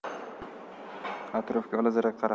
atrofga olazarak qarar